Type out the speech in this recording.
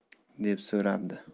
deb so'rabdi